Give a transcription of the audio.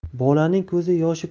bolaning ko'zi yoshi